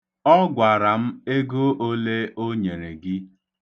Ọ gwara m ego ole o nyere gị.